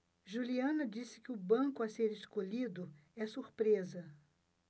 juliana disse que o banco a ser escolhido é surpresa